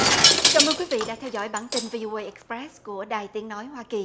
cảm ơn quý vị đã theo dõi bản tin vi ô ây ích pét của đài tiếng nói hoa kỳ